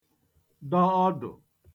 dọ ọdụ̀